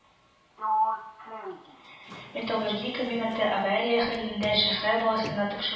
Металлургия комбинаты авария хәлендә шәһәр балансына тапшырган